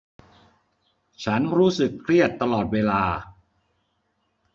ฉันรู้สึกเครียดตลอดเวลา